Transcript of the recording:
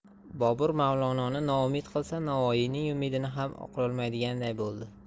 bobur mavlononi noumid qilsa navoiyning umidini ham oqlolmaydiganday bo'ldi